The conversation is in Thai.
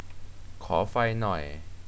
ขอไฟหน่อย